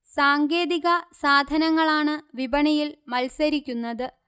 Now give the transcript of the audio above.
സാങ്കേതിക സാധനങ്ങളാണ് വിപണിയിൽ മത്സരിക്കുന്നത്